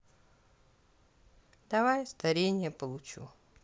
давай старение получу